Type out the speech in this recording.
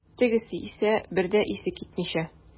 Тегесе исә, бер дә исе китмичә.